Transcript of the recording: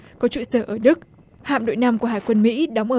có trụ sở ở đức hạm đội năm của hải quân mỹ đóng ở